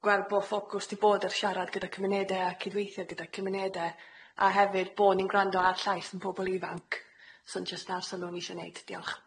gweld bo ffocws di bod ar siarad gyda cymunede a cydweithie gyda cymunede a hefyd bo' ni'n gwrando ar llais ein pobol ifanc so'n jyst nawr sylw on'isio neud diolch.